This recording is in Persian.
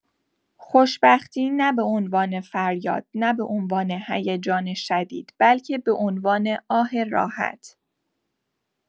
خوشبختی نه به‌عنوان فریاد، نه به‌عنوان هیجان شدید، بلکه به‌عنوان «آه راحت».